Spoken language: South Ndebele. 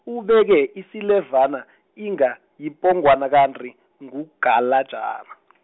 ubeke isilevana, inga, yipongwana kanti, ngugalajana .